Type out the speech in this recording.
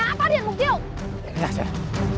đã phát hiện mục tiêu phân